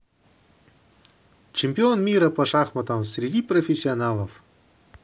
чемпионат мира по шахматам среди профессионалов